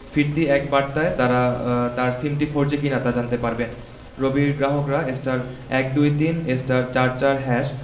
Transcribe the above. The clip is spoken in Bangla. ফিরতি এক বার্তায় তার সিমটি ফোরজি কিনা তা জানতে পারবেন রবির গ্রাহকরা *১২৩*৪৪#